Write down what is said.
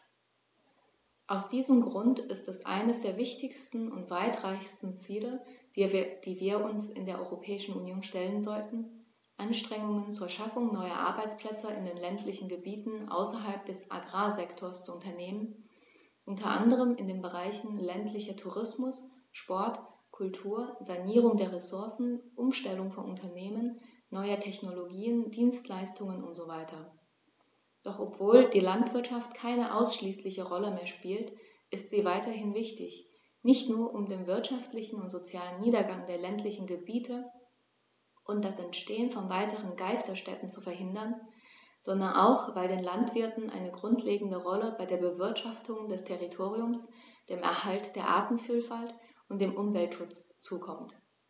Aus diesem Grund ist es eines der wichtigsten und weitreichendsten Ziele, die wir uns in der Europäischen Union stellen sollten, Anstrengungen zur Schaffung neuer Arbeitsplätze in den ländlichen Gebieten außerhalb des Agrarsektors zu unternehmen, unter anderem in den Bereichen ländlicher Tourismus, Sport, Kultur, Sanierung der Ressourcen, Umstellung von Unternehmen, neue Technologien, Dienstleistungen usw. Doch obwohl die Landwirtschaft keine ausschließliche Rolle mehr spielt, ist sie weiterhin wichtig, nicht nur, um den wirtschaftlichen und sozialen Niedergang der ländlichen Gebiete und das Entstehen von weiteren Geisterstädten zu verhindern, sondern auch, weil den Landwirten eine grundlegende Rolle bei der Bewirtschaftung des Territoriums, dem Erhalt der Artenvielfalt und dem Umweltschutz zukommt.